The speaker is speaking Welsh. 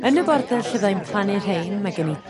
Yn y border lle fyddai'n plannu rhein ma' gen i